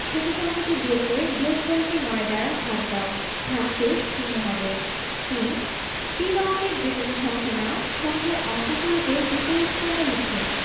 ছোট ছোট সংখ্যাটি বিয়োগ করে বিয়োগফলকে ৯ দ্বারা ভাগ দাও ভাগশেষ শূন্য হবে ৩ তিন অঙ্কের যেকোনো সংখ্যা নাও সংখ্যার অঙ্কগুলোকে বিপরীতক্রমে লিখ